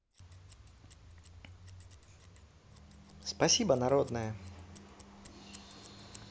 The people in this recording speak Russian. спасибо народное